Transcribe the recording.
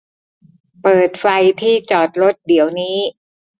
เปิดไฟที่จอดรถเดี๋ยวนี้